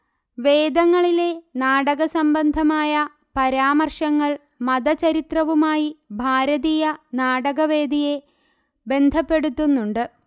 വേദങ്ങളിലെ നാടകസംബന്ധമായ പരാമർശങ്ങൾ മതചരിത്രവുമായി ഭാരതീയ നാടകവേദിയെ ബന്ധപ്പെടുത്തുന്നുണ്ട്